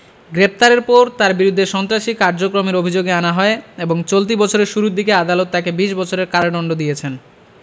গ্রেপ্তারের পর তাঁর বিরুদ্ধে সন্ত্রাসী কার্যক্রমের অভিযোগ আনা হয় এবং চলতি বছরের শুরুর দিকে আদালত তাকে ২০ বছরের কারাদণ্ড দিয়েছেন